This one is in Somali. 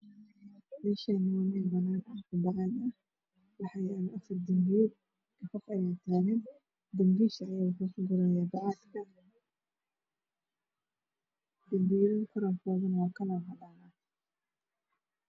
Meshaani waa meel banaan ah iyo bacaad waxaa yaalo afar dambiilood qof ayaa tagan dambiish ayoow ku kuraa bacadak dambiilo kaloo badan oo cadaan ah